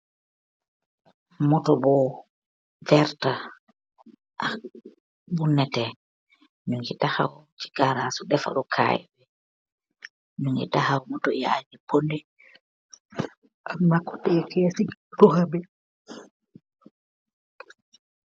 motor bu veerta ak bu nehtteh yuu tahow ce garage bi.